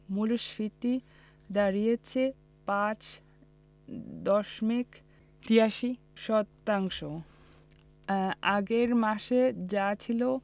মূল্যস্ফীতি দাঁড়িয়েছে ৫ দশমিক ৮৩ শতাংশ আগের মাসে যা ছিল